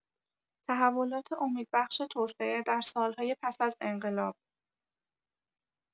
تحولات امیدبخش توسعه در سال‌های پس از انقلاب